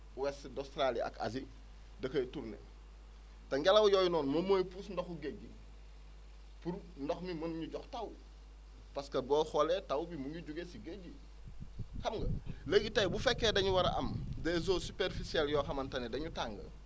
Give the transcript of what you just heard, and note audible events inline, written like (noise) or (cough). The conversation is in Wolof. ouest d' Australie ak Asie da koy tourné te ngelaw yooyu noonu mooy pousse ndoxu géej gi pour ndox mi mën ñu jox taw parce que boo xoolee taw bi mu ngi juge si géej gi xam nga (noise) léegi tey bu fekkee dañu war a am des eaux superficielles yoo xamante ne dañu tàng